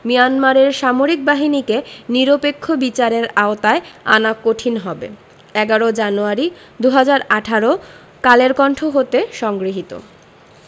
মিয়ানমারের সামরিক বাহিনীকে নিরপেক্ষ বিচারের আওতায় আনা কঠিন হবে ১১ জানুয়ারি ২০১৮ কালের কন্ঠ হতে সংগৃহীত